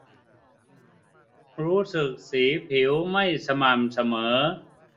รู้สึกสีผิวไม่สม่ำเสมอ